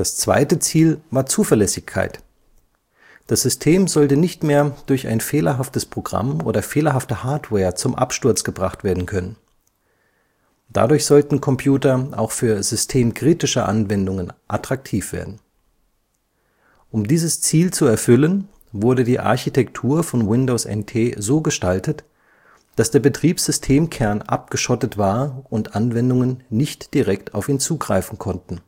zweite Ziel war Zuverlässigkeit: Das System sollte nicht mehr durch ein fehlerhaftes Programm oder fehlerhafte Hardware zum Absturz gebracht werden können. Dadurch sollten Computer auch für systemkritische Anwendungen attraktiv werden. Um dieses Ziel zu erfüllen, wurde die Architektur von Windows NT so gestaltet, dass der Betriebssystemkern abgeschottet war und Anwendungen nicht direkt auf ihn zugreifen konnten